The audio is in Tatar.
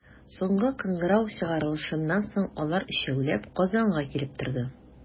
Соңгы кыңгырау чыгарылышыннан соң, алар, өчәүләп, Казанга килеп торды.